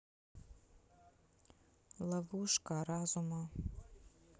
ловушка разума